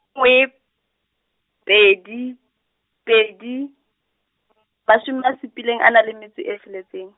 nngwe, pedi, pedi, mashome a supileng a nang le metso e tsheletseng.